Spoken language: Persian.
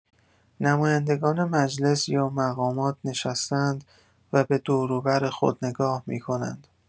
نمایندگان مجلس یا مقامات نشسته‌اند و به دوروبر خود نگاه می‌کنند.